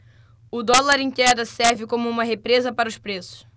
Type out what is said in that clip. o dólar em queda serve como uma represa para os preços